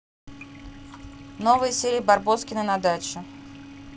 новые серии барбоскины на даче